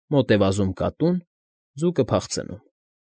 Մոտ է վազում կատուն, ձուկը փախցնում»։